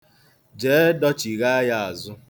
Jee, dochighaa ya azụ.